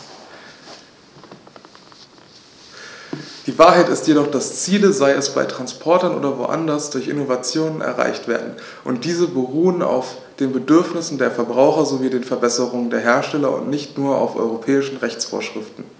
Die Wahrheit ist jedoch, dass Ziele, sei es bei Transportern oder woanders, durch Innovationen erreicht werden, und diese beruhen auf den Bedürfnissen der Verbraucher sowie den Verbesserungen der Hersteller und nicht nur auf europäischen Rechtsvorschriften.